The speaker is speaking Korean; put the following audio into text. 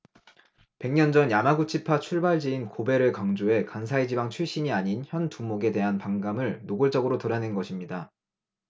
백 년 전 야마구치파 출발지인 고베를 강조해 간사이 지방 출신이 아닌 현 두목에 대한 반감을 노골적으로 드러낸 것입니다